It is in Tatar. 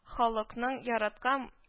Халкының яраткан